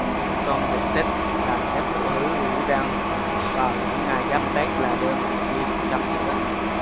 công việc thích làm nhất của hứa vĩ văn vào những ngày giáp tết là đưa mẹ đi sắm sửa